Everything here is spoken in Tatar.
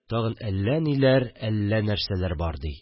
Тагын әллә ниләр, әллә нәрсәләр бар ди